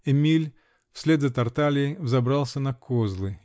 Эмиль, вслед за Тартальей, взобрался на козлы